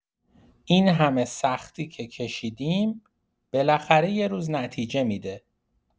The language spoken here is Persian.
این همه سختی که کشیدیم، بالاخره یه روز نتیجه می‌ده.